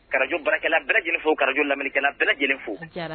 Kajo barakɛla bɛɛ lajɛlen fo kajo laminikɛla bɛɛ lajɛlen fo